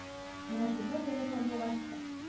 Менә шуннан бирле сандугач һы